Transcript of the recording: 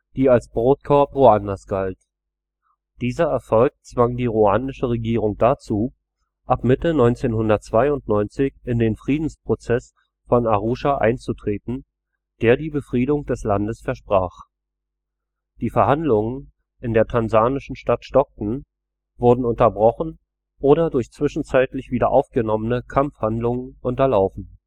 die als „ Brotkorb “Ruandas galt. Dieser Erfolg zwang die ruandische Regierung dazu, ab Mitte 1992 in den Friedensprozess von Arusha einzutreten, der die Befriedung des Landes versprach. Die Verhandlungen in der tansanischen Stadt stockten, wurden unterbrochen oder durch zwischenzeitlich wieder aufgenommene Kampfhandlungen unterlaufen